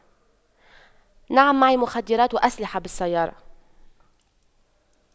نعم معي مخدرات وأسلحة بالسيارة